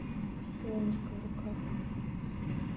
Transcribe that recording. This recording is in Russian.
солнышко в руках